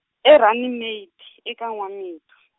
e- Runymait- eka Nwamit-.